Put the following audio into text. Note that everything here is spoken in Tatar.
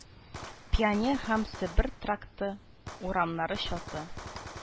Пионер һәм Себер тракты урамнары чаты